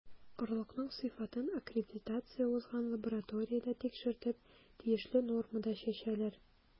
Орлыкның сыйфатын аккредитация узган лабораториядә тикшертеп, тиешле нормада чәчәләр.